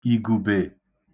ìgùbè